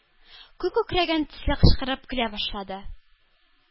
Күк күкрәгән төсле кычкырып көлә башлады.